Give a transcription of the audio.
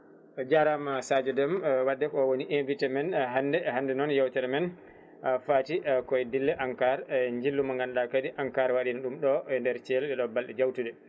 a jarama Sadio Déme wadde ko woni invité men hande hande noon yewtere men faati koye dille ENCAR e jillu mo ganduɗa kadi ENCAR waɗino ɗum ɗo e nder Thiel ɗeɗo balɗe jawtuɗe